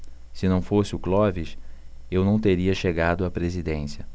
se não fosse o clóvis eu não teria chegado à presidência